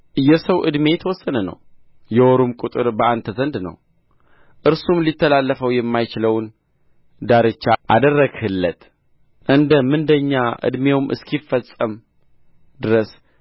የሰው ዕድሜ የተወሰነ ነው የወሩም ቍጥር በአንተ ዘንድ ነው እርሱም ሊተላለፈው የማይችለውን ዳርቻ አደረግህለት እንደ ምንደኛ ዕድሜው እስኪፈጸም ድረስ